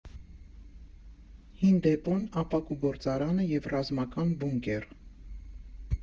Հին դեպոն, ապակու գործարանը և ռազմական բունկեր.